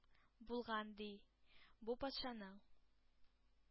Булган, ди, бу патшаның.